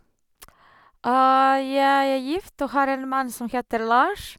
Jeg er gift og har en mann som heter Lars.